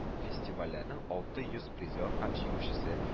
Фестивальләрнең алты йөз призер һәм җиңүчесе